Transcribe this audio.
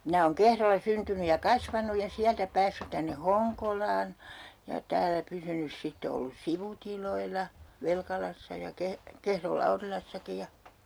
minä olen Kehrolla syntynyt ja kasvanut ja sieltä päässyt tänne Honkolaan ja täällä pysynyt sitten ollut sivutiloilla Velkalassa ja - Kehron Laurilassakin ja